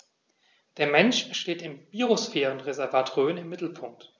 Der Mensch steht im Biosphärenreservat Rhön im Mittelpunkt.